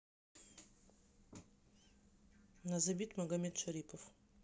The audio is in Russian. назабит магомед шарипов